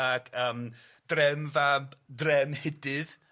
Ag yym Drefn fab Drefnhidydd.